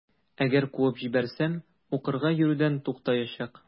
Әгәр куып җибәрсәм, укырга йөрүдән туктаячак.